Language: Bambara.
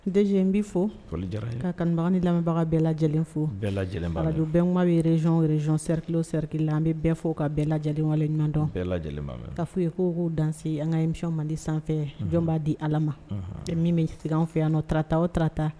N dez in bɛ fɔ kan ni lamɛnbaga bɛɛ lajɛlen fo bɛɛ lajɛlen bɛɛ yɛrɛzyɔn rezsononsritilosɛri an bɛ bɛɛ fɔ ka bɛɛ lajɛlenwale ɲɔgɔndɔn bɛɛ' fɔ ye ko ko dan an kami mandi sanfɛ jɔn'a di ala ma tɛ min bɛ an fɛ yanta o tta